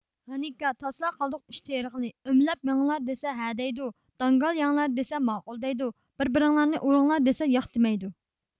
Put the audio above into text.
غېنىكا تاسلا قالدۇق ئېش تېرىغىلى ئۆمىلەپ مېڭىڭلار دېسە ھەئە دەيدۇ داڭگال يەڭلار دېسە ماقۇل دەيدۇ بىر بىرىڭلارنى ئۇرۇڭلار دېسە ياق دېمەيدۇ